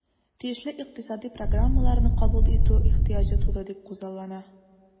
Тиешле икътисадый программаларны кабул итү ихтыяҗы туды дип күзаллана.